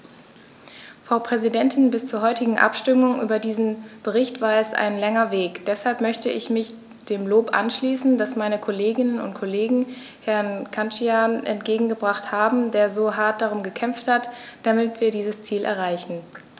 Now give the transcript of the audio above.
Frau Präsidentin, bis zur heutigen Abstimmung über diesen Bericht war es ein langer Weg, deshalb möchte ich mich dem Lob anschließen, das meine Kolleginnen und Kollegen Herrn Cancian entgegengebracht haben, der so hart darum gekämpft hat, damit wir dieses Ziel erreichen.